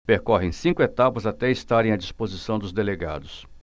percorrem cinco etapas até estarem à disposição dos delegados